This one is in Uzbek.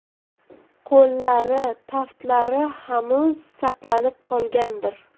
qo'llari taftlari hanuz saqlanib qolgandir